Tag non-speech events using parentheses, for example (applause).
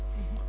(hesitation) (hesitation)